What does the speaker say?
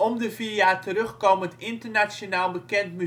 de vier jaar terugkomend internationaal bekend